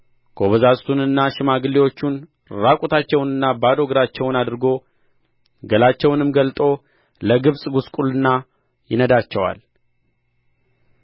ጐበዛዝቱንና ሽማግሌዎቹን ራቁታቸውንና ባዶ እግራቸውን አድርጎ ገላቸውንም ገልጦ ለግብጽ ጕስቍልና ይነዳቸዋል